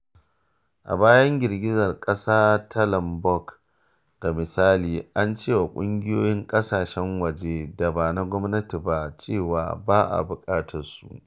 A bayan girgizar ƙasa ta Lombok, ga misali, an ce wa ƙungiyoyin ƙasashen waje da ba na gwamnati ba cewa ba a buƙatarsu.